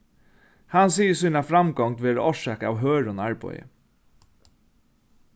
hann sigur sína framgongd vera orsakað av hørðum arbeiði